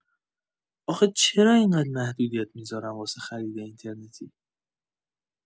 آخه چرا اینقدر محدودیت می‌ذارن واسه خرید اینترنتی؟